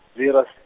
Zeerust.